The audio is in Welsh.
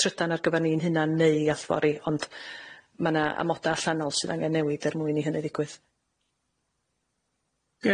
trydan ar gyfar ni'n hunan neu i allfori ond ma' 'na amoda allanol sydd angen newid er mwyn i hynny ddigwydd.